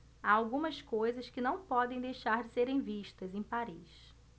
há algumas coisas que não podem deixar de serem vistas em paris